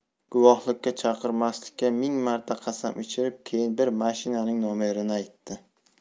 guvohlikka chaqirmaslikka ming marta qasam ichirib keyin bir mashinaning nomerini aytdi